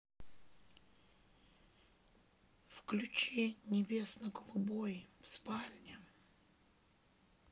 включи небесно голубой в спальне